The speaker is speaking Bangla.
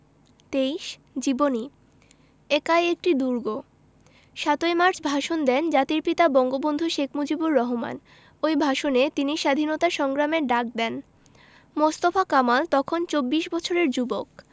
২৩ জীবনী একাই একটি দুর্গ ৭ই মার্চ ভাষণ দেন জাতির পিতা বঙ্গবন্ধু শেখ মুজিবুর রহমান ওই ভাষণে তিনি স্বাধীনতা সংগ্রামের ডাক দেন মোস্তফা কামাল তখন চব্বিশ বছরের যুবক